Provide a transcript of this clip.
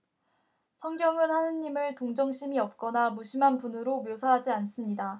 성경은 하느님을 동정심이 없거나 무심한 분으로 묘사하지 않습니다